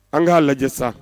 An k'a lajɛ sa